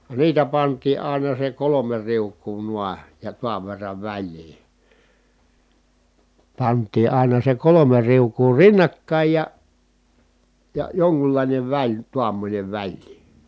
niitä pantiin aina se kolme riukua noin ja tuon verran väliin pantiin aina se kolme riukua rinnakkain ja ja jonkunlainen väli tuommoinen väliin